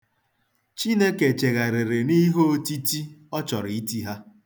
Chineke chegharịrị n'ihe otiti Ọ chọrọ iti ha.